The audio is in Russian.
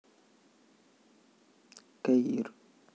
каир